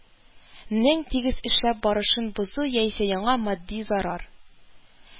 Нең тигез эшләп барышын бозу, яисә аңа матди зарар